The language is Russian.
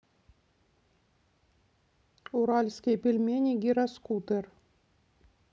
уральские пельмени гироскутер